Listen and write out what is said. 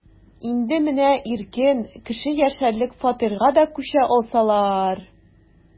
Инде менә иркен, кеше яшәрлек фатирга да күчә алсалар...